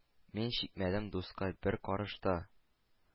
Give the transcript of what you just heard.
Мин чикмәдем, дускай, бер карыш та,